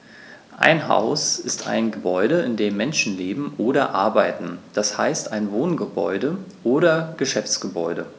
Ein Haus ist ein Gebäude, in dem Menschen leben oder arbeiten, d. h. ein Wohngebäude oder Geschäftsgebäude.